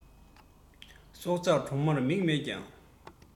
སྲོག ཆགས གྲོག མ མིག མེད ཀྱང